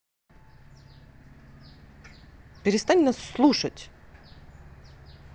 перестань нас слушать